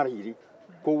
cariyiriki